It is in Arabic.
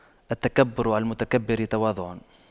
التكبر على المتكبر تواضع